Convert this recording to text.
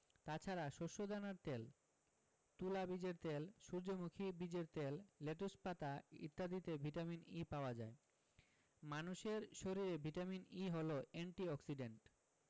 তাছাড়া শস্যদানার তেল তুলা বীজের তেল সূর্যমুখী বীজের তেল লেটুস পাতা ইত্যাদিতে ভিটামিন E পাওয়া যায় মানুষের শরীরে ভিটামিন E হলো এন্টি অক্সিডেন্ট